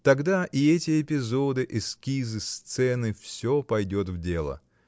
Тогда и эти эпизоды, эскизы, сцены — всё пойдет в дело.